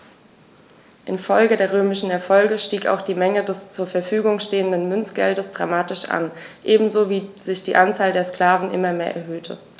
Infolge der römischen Erfolge stieg auch die Menge des zur Verfügung stehenden Münzgeldes dramatisch an, ebenso wie sich die Anzahl der Sklaven immer mehr erhöhte.